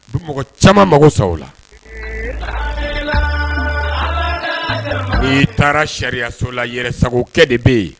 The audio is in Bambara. Mɔgɔ caman mago sa la ni taara sariyaso la yɛrɛ sagokɛ de bɛ yen